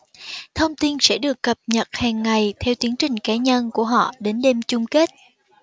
thông tin sẽ được cập nhật hàng ngày theo tiến trình cá nhân của họ đến đêm chung kết